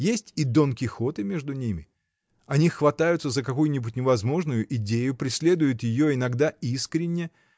Есть и Дон Кихоты между ними: они хватаются за какую-нибудь невозможную идею, преследуют ее иногда искренно